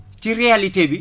ci réalité bi